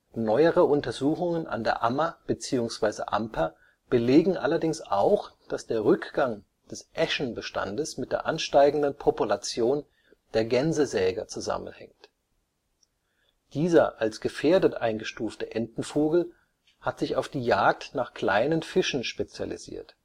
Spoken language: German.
Neuere Untersuchungen an der Ammer (Amper) belegen allerdings auch, dass der Rückgang des Äschenbestandes mit der ansteigenden Population der Gänsesäger zusammenhängt. Dieser als gefährdet eingestufte Entenvogel hat sich auf die Jagd nach kleinen Fischen spezialisiert